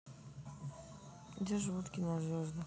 где живут кинозвезды